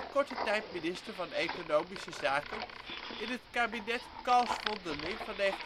korte tijd minister van Economische Zaken in het kabinet Cals-Vondeling (1965-1966